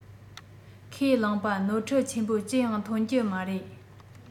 ཁས བླངས པ ནོར འཁྲུལ ཆེན པོ ཅི ཡང ཐོན གྱི མ རེད